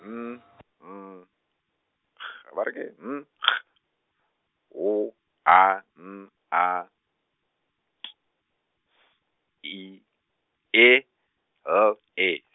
N N G, ba re ke eng, N G W A N A, T S I, E L E.